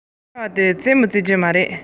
ང ཚོ ཞི མི ལ བརྩེ དུང